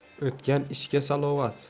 'tgan ishga salovat